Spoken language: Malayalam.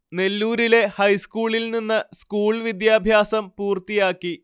നെല്ലൂരിലെ ഹൈസ്കൂളിൽ നിന്ന് സ്കൂൾ വിദ്യാഭ്യാസം പൂർത്തിയാക്കി